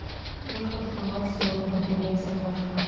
слышал у вас сегодня конференция прошла